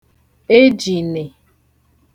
ejìnè